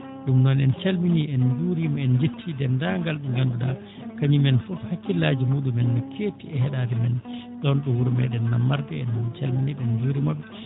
ɗum noon en calminii en njuuriima en njettii deenndaangal ɗe gnannduɗaa kañum en fof hakkillaaji muuɗum en no keetti e heɗaade men ɗoon ɗo wuro meeɗen Nammarde en calminii ɓe en njuuriima ɓe